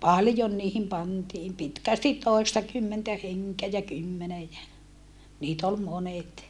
paljon niihin pantiin pitkästi toistakymmentä henkeä ja kymmenen ja niitä oli monet